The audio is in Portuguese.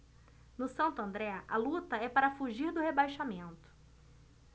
no santo andré a luta é para fugir do rebaixamento